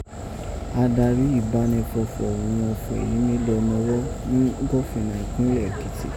Adarí ìbánẹfọ̀fọ̀ òghun ọ̀fọ̀ èyí mi lọ nọwọ́ ghún gófìnà ipẹ́nlẹ̀ Èkìtì.